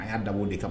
A y' dabɔ de kama